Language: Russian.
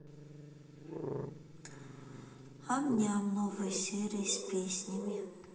ам ням новые серии с песнями